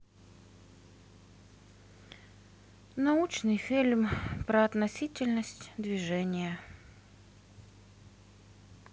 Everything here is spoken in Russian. научный фильм про относительность движения